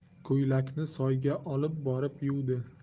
ko'ylakni soyga olib borib yuvdi